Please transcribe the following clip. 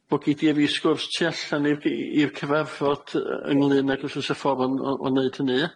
bo' gei di a fi sgwrs tu allan i'r i i'r cyfarfod y- y- ynglŷn ag os o's 'a ffordd o- o- o neud hynny ia?